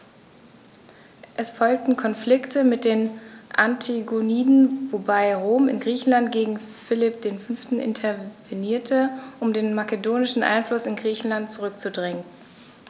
Es folgten Konflikte mit den Antigoniden, wobei Rom in Griechenland gegen Philipp V. intervenierte, um den makedonischen Einfluss in Griechenland zurückzudrängen.